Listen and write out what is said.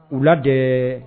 Wula la dɛ